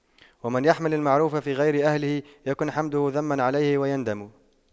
ومن يجعل المعروف في غير أهله يكن حمده ذما عليه ويندم